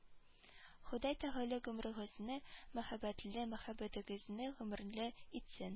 Ходай тәгалә гомерегезне мәхәббәтле мәхәббәтегезне гомерле итсен